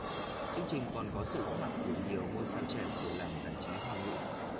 chương trình còn có sự góp mặt của nhiều ngôi sao trẻ của làng giải trí hoa ngữ